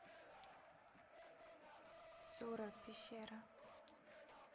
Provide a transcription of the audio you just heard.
сура пещера